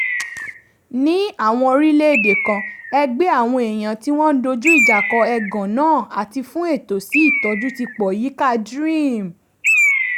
Ní àwọn orílẹ̀-èdè kan ẹgbẹ́ àwọn èèyàn tí wọ́n ń dojú ìjà kọ ẹ̀gàn náà àti fún ẹ̀tọ́ sí ìtọ́jú tí pọ̀ yíká DREAM.